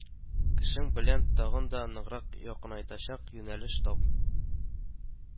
Кешең белән тагын да ныграк якынайтачак юнәлеш тап